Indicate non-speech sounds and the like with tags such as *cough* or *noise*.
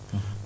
*hesitation* *hesitation*